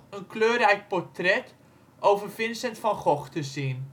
kleurrijk portret over Vincent van Gogh te zien